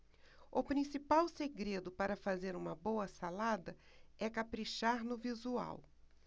o principal segredo para fazer uma boa salada é caprichar no visual